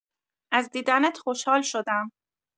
از دیدنت خوشحال شدم.